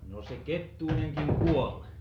no se Kettunenkin kuoli